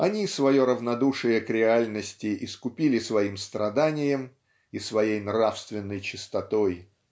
они свое равнодушие к реальности искупили своим страданием и своей нравственной чистотой.